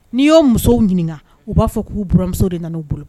N'i y'o musow ɲininka u b'a fɔ k'u buramuso de nana u bolo.